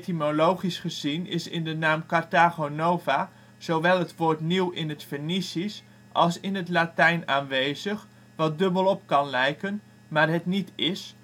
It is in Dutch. etymologisch gezien is in de naam ' Carthago Nova ' zowel het woord nieuw in het Fenicisch, als in het Latijn aanwezig, wat dubbelop kan lijken, maar het niet is